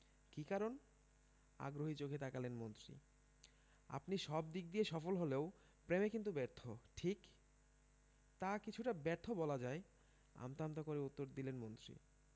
কী কারণ আগ্রহী চোখে তাকালেন মন্ত্রী আপনি সব দিক দিয়ে সফল হলেও প্রেমে কিন্তু ব্যর্থ ঠিক ‘তা কিছুটা ব্যর্থ বলা যায় আমতা আমতা করে উত্তর দিলেন মন্ত্রী